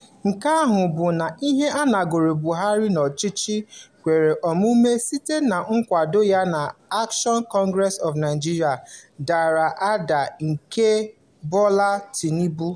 Nke a bụ n'ihi na nrịgo Buhari n'ọchịchị kwere omume site na nkwado ya na Action Congress of Nigeria (ACN) dara ada nke Bola Tinubu.